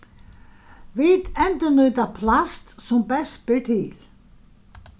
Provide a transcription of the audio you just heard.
vit endurnýta plast sum best ber til